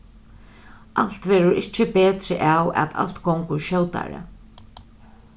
alt verður ikki betri av at alt gongur skjótari